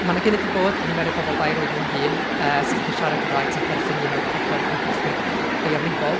Mae 'na gynnydd 'di bod nifer y bobl dair oed neu'n hŷn yy sy'n gallu siarad Cymraeg sy'n perthyn i un o'r pedwar grŵp ethnig lleiafrifol.